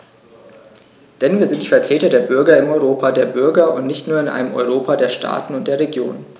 Denn wir sind die Vertreter der Bürger im Europa der Bürger und nicht nur in einem Europa der Staaten und der Regionen.